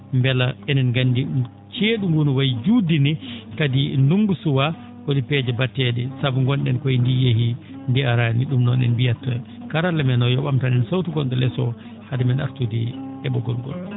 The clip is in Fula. mbela enen ngandi cee?u nguu no wayi juutde ni kadi ndunngu suwaa holi peeje mbattee?e sabu ngon?en koye ndi yehii ndi araani ?um noon en mbiyat tan karalla men o yo ?amtan en sawto gon?o lees o hade men artude e ?oggol ngol